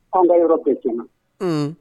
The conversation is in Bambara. An bɛ yɔrɔ bɛɛ joona